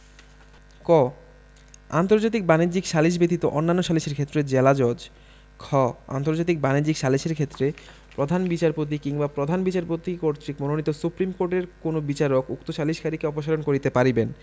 ক আন্তর্জাতিক বাণিজ্যিক সালিস ব্যতীত অন্যান্য সালিসের ক্ষেত্রে জেলাজজ খ আন্তর্জাতিক বাণিজ্যিক সালিসের ক্ষেত্রে প্রধান বিচারপতি কিংবা প্রধান বিচারপতি কর্তৃক মনোনীত সুপ্রীমকোর্টের কোন বিচারক উক্ত সালিসকারীকে অপসারণ করিতে পারিবেন